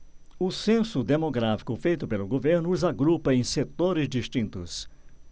o censo demográfico feito pelo governo os agrupa em setores distintos